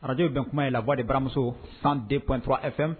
Arajo bɛn kuma in ye la' de baramuso san dept fɛ